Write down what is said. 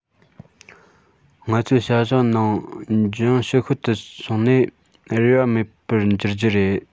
ང ཚོའི བྱ གཞག ནར འགྱངས ཕྱི བཤོལ དུ སོང ནས རེ བ མེད པར འགྱུར གྱི རེད